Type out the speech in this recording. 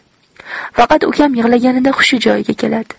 faqat ukam yig'laganida hushi joyiga keladi